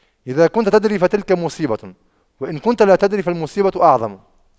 إذا كنت تدري فتلك مصيبة وإن كنت لا تدري فالمصيبة أعظم